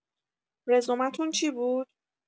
رزومتون چی بود؟